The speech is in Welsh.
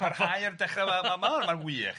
Parhau i'r dechra fel ma'n wych.